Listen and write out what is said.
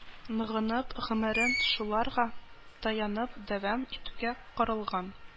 Ныгынып, гомерен шуларга таянып дәвам итүгә корылган